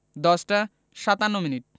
১০ টা ৫৭ মিনিট